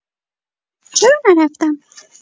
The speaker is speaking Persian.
چرا نرفتم؟